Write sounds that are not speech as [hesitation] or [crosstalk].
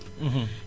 [hesitation] [hesitation]